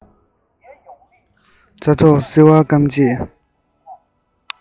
རྩྭ ཐོག གི ཟིལ བ བསྐམས རྗེས